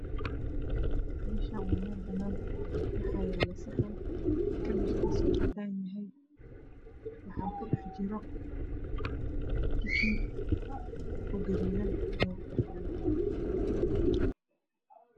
Meshan waa meel banaan waxaa yaalo saxan kalarkiisu cadaan oo yhy waxaa kudhex jiro dooro oo gadoodan kudhex jiro